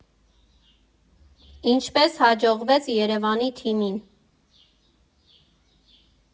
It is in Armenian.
Ինչպես հաջողվեց ԵՐԵՎԱՆի թիմին։